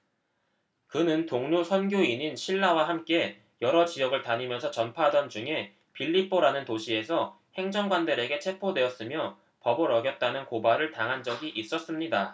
그는 동료 선교인인 실라와 함께 여러 지역을 다니면서 전파하던 중에 빌립보라는 도시에서 행정관들에게 체포되었으며 법을 어겼다는 고발을 당한 적이 있었습니다